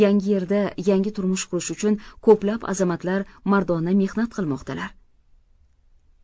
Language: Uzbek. yangi yerda yangi turmush qurish uchun ko'plab azamatlar mardona mehnat qilmoqdalar